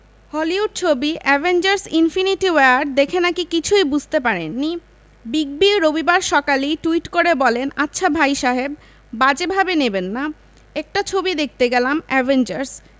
Hollywood ছবি Avengers infinity war দেখে নাকি কিছুই বুঝতে পারেননি বিগ বি রবিবার সকালেই টুইট করে বলেন আচ্ছা ভাই সাহেব বাজে ভাবে নেবেন না একটা ছবি দেখতে গেলাম অ্যাভেঞ্জার্স